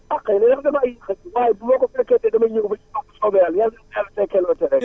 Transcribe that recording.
ah xëy na yéex damaa yéex a jug waaye bu ma ko fekkee tee damay ñëwba si ù bu soobee yàlla yal na ñu yàlla fekkeelooti rek